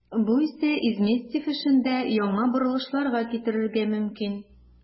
Бу исә Изместьев эшендә яңа борылышларга китерергә мөмкин.